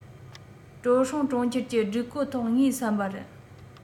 དྲོད སྲུང གྲོང ཁྱེར གྱི སྒྲིག བཀོད ཐོག ངའི བསམ པར